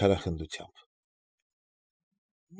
Չարախնդությամբ։ ֊